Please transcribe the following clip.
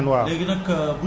nga ñëw mu nekk ci nen